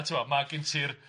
a, ti'bod, ma' gen ti'r